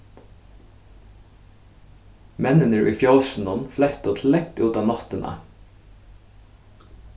menninir í fjósinum flettu til langt út á náttina